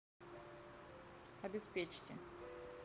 обеспечьте